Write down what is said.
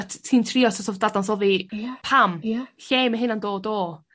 yy t- ti'n trio so't of dadansoddi... Ia. ...pam... Ia. ...lle mae hyn yn dod o?